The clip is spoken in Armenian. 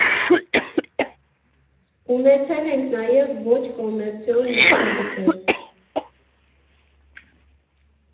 Ունեցել ենք նաև ոչ կոմերցիոն նախագծեր.